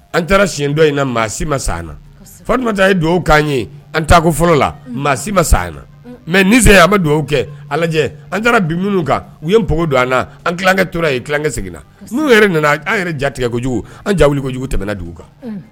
An taara si dɔ in na maa si ma saana fata ye dugawu kan ye an takɔ fɔlɔ la maa si ma sayay na mɛ ni an bɛ dugawu kɛ ala lajɛ an taara bi minnu kan u ye npogo don an ankɛ tora ye kikɛ seginna nu yɛrɛ nana an yɛrɛ jatigɛko kojugu an ja wuliko kojugu tɛmɛna dugu kan